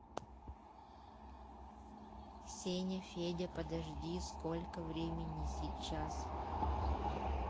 сеня федя подожди сколько времени сейчас